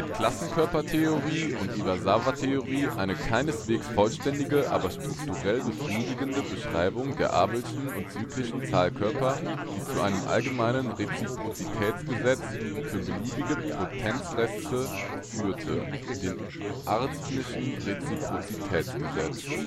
Klassenkörpertheorie und Iwasawatheorie eine keineswegs vollständige, aber strukturell befriedigende Beschreibung der abelschen und zyklischen Zahlkörper, die zu einem allgemeinen Reziprozitätsgesetz für beliebige Potenzreste führte, dem Artinschen Reziprozitätsgesetz. Die